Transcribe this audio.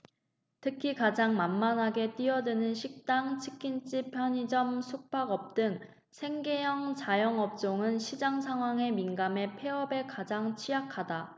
특히 가장 만만하게 뛰어드는 식당 치킨집 편의점 숙박업 등 생계형 자영업종은 시장상황에 민감해 폐업에 가장 취약하다